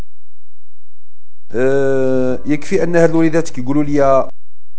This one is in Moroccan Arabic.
يكفي انها يقولوا لي